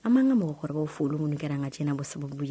An b'an ŋa mɔgɔkɔrɔbaw fo olu minnu kɛra an ŋa jɛnabɔ sababu ye